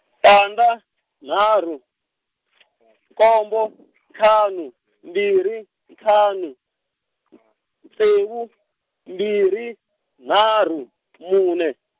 tandza , nharhu, nkombo ntlhanu mbirhi ntlhanu, ntsevu, mbirhi, nharhu , mune.